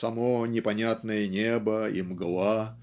само непонятное небо и мгла